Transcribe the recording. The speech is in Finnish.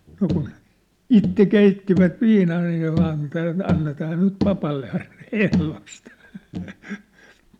no kun itse keittivät viinaa aina ja vain että annetaan nyt papalle aina ehdosta